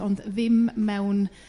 ond ddim mewn